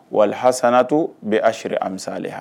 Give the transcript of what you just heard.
Wa hasananatou bi achri amsaliha